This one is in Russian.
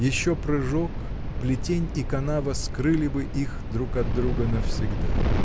Еще прыжок: плетень и канава скрыли бы их друг от друга навсегда.